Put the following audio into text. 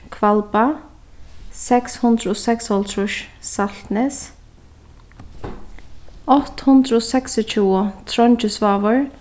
hvalba seks hundrað og seksoghálvtrýss saltnes átta hundrað og seksogtjúgu trongisvágur